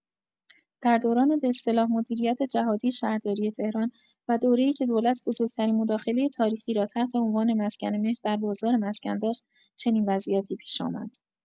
در دوران به اصطلاح مدیریت جهادی شهرداری تهران، و دوره‌ای که دولت بزرگ‌ترین مداخلۀ تاریخی را تحت عنوان مسکن مهر در بازار مسکن داشت، چنین وضعیتی پیش‌آمد.